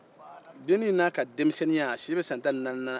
dennin n'a ka denmisɛnninya a si bɛ san tan ni naani na